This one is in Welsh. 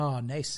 O, neis.